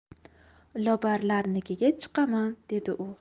lobarlarnikiga chiqaman dedi u